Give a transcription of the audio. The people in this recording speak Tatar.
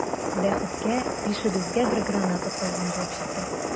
Бәхеткә, бишебезгә бер граната калган булып чыкты.